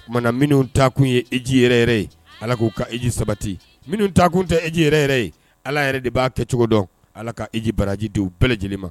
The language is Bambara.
O kumana minnu ta kun ye eji yɛrɛ yɛrɛ ye ala k'u ka eji sabati minnu ta kun tɛ eji yɛrɛ yɛrɛ ye ala yɛrɛ de b'a kɛ cogo dɔn ala ka eji baraji di u bɛɛ lajɛlen ma